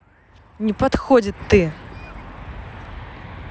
не подходит ты